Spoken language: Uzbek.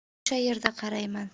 o'sha yerda qarayman